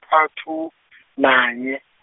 -thathu , nanye.